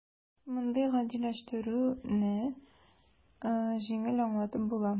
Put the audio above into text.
Мондый "гадиләштерү"не җиңел аңлатып була: